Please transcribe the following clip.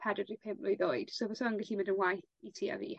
pedwar deg pump mlwydd oed. So fysa yn gellu mynd yn waeth i ti a fi...